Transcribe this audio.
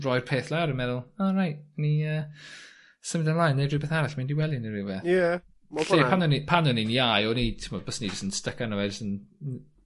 roi'r peth lawr a meddwl o reit myn' i yy symud ymlaen neud rwbeth arall mynd i wely ne' rwbeth. Ie. Ma hwnna yn... Lle pan o'n i pan o'n i'n iau o'n i t'mod byswn i jyst yn styc arno fe jys yn m-